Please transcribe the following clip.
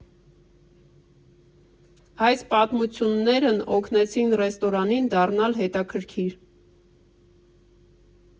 Այս պատմություններն օգնեցին ռեստորանին դառնալ հետաքրքիր։